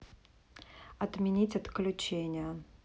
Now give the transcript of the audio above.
отменить отключение